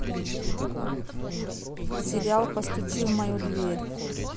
сериал постучи в мою дверь